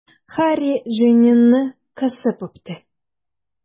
Һарри Джиннины кысып үпте.